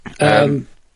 Yym.